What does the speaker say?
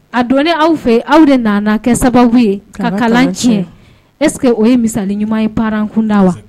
A don aw fɛ aw de nana kɛ sababu ye ka kalan tiɲɛ esseke o ye misali ɲuman ye pararankunda wa